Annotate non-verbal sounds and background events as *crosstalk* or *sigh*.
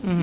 *hesitation* *hesitation*